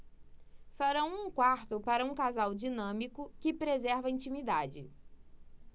farão um quarto para um casal dinâmico que preserva a intimidade